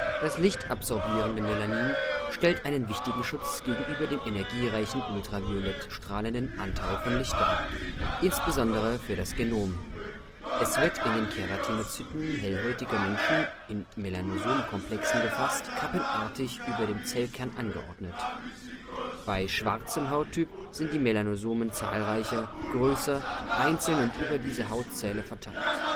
Das lichtabsorbierende Melanin stellt einen wichtigen Schutz gegenüber dem energiereichen, ultraviolett strahlenden (UV -) Anteil von Licht dar, insbesondere für das Genom; es wird in den Keratinozyten hellhäutiger Menschen in Melanosom-Komplexen gefasst kappenartig über dem Zellkern angeordnet. Bei schwarzem Hauttyp sind die Melanosomen zahlreicher, größer, einzeln und über diese Hautzelle verteilt